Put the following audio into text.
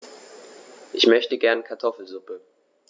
Ich möchte gerne Kartoffelsuppe.